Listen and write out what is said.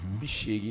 N bɛ segingin